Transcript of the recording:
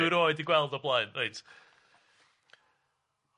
Dwi erioed 'di gweld o'blaen. Reit.